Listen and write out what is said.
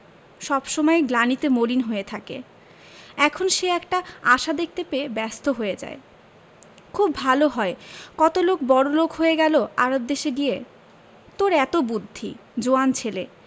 সব সময় গ্লানিতে মলিন হয়ে থাকে এখন সে একটা আশা দেখতে পেয়ে ব্যস্ত হয়ে যায় খুব ভালো হয় কত লোক বড়লোক হয়ে গেল আরব দেশে গিয়ে তোর এত বুদ্ধি জোয়ান ছেলে